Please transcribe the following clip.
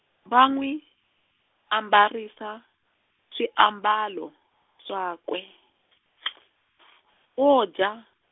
va n'wi, ambarisa, swiambalo, swakwe , o dya.